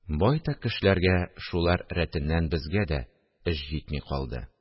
Байтак кешеләргә, шулар рәтеннән безгә дә эш җитми калды